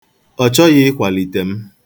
Ọ chọghị ịkwalite m.